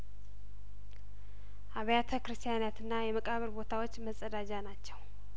አብያተ ክርስቲያናትና የመቃብር ቦታዎች መጸዳጃ ናቸው